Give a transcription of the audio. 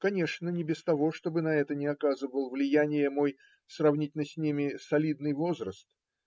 Конечно, не без того, чтобы на это не оказывал влияния мой, сравнительно с ними, солидный возраст